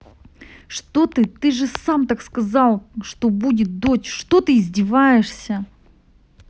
ты что ты же сам так сказал что будет дочь ты что издеваешься